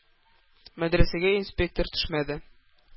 Мәдрәсәгә инспектор төшмәде.